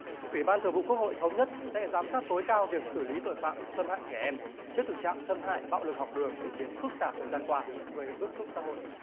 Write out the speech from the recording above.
ủy ban thường vụ quốc hội thống nhất sẽ giám sát tối cao việc xử lý tội phạm xâm hại trẻ em trước thực trạng xâm hại bạo lực học đường diễn biến phức tạp thời gian qua gây bức xúc xã hội